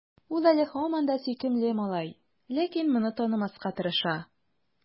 Ул әле һаман да сөйкемле малай, ләкин моны танымаска тырыша.